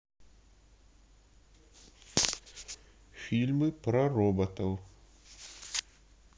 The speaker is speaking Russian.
фильмы про роботов